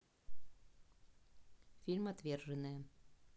фильм отверженные